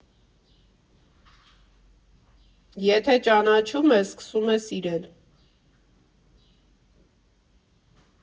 Եթե ճանաչում է, սկսում է սիրել։